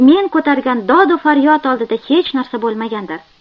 men ko'targan dodu faryod oldida hech narsa bo'lmagandir